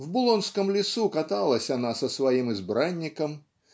В Булонском лесу каталась она со своим избранником.